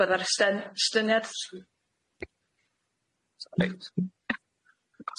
Bydda'r estyn- estyniad Sori.